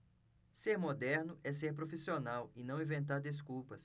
ser moderno é ser profissional e não inventar desculpas